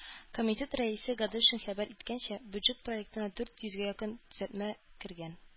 Комитет рәисе Гаделшин хәбәр иткәнчә, бюджет проектына дүрт йөзгә якын төзәтмә кергән.